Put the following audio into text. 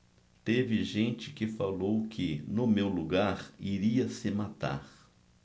teve gente que falou que no meu lugar iria se matar